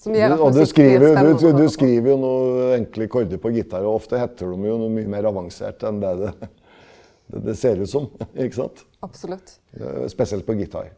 du og du skriver jo du du skriver jo noen enkle akkorder på gitar, og ofte heter dem jo noe mye mer avansert enn det det det ser ut som ikke sant spesielt på gitar.